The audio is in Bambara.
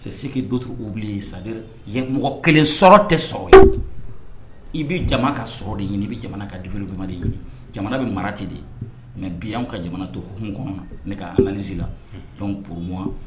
Sese dutigiww bilen sadi ye mɔgɔ kelen sɔrɔ tɛ sɔrɔ i bɛ jamana ka sɔrɔ de ɲini i bɛ jamana ka du mama ɲini jamana bɛ mara ten de mɛ bi an ka jamana to hmɔn ne ka an kaaniz la jɔn pma